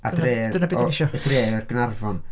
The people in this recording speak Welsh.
Â dref... Dyna be dan ni isio... Â dref, Gaernarfon.